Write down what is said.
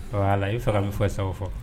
Ala i fa bɛ fɔ i sago fɔ